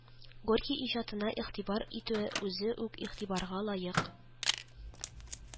Горький иҗатына игътибар итүе үзе үк игътибарга лаек